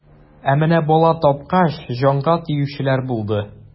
Ә менә бала тапкач, җанга тиючеләр булды.